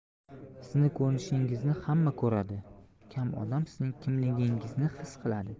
sizning ko'rinishingizni hamma ko'radi kam odam sizning kimligingizni his qiladi